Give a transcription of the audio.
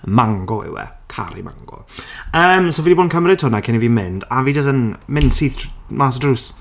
Mango yw e, caru mango. Yym, so fi 'di bod yn cymryd hwnna cyn i fi mynd a fi jyst yn mynd syth tr- mas y drws.